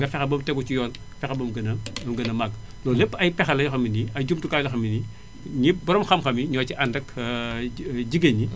nga fexe ba mu tege ci yoon fexe ba mu gën a ba mu gën a màgg loolu lépp ay pexe la yoo xamante ni ay jumtukaay la yoo xam ne nii ñép borom xam-xam yi ñoo ci ànd ak jigéen ñi